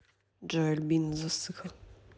джой альбина засыха